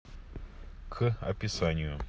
к описанию